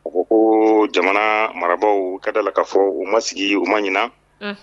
U ko ko jamana mara ka dala la k kaa fɔ u ma sigi u ma ɲinan